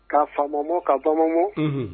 Ka fa ka bama